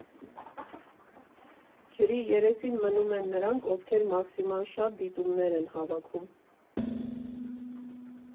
Ջրի երեսին մնում են նրանք, ովքեր մաքսիմալ շատ դիտումներ են հավաքում։